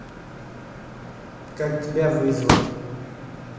как тебя вызвать